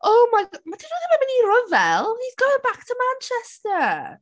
"Oh my g-..." Dyn nhw'm yn mynd i ryfel! He's going back to Manchester.